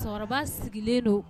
Cɛkɔrɔba sigilen don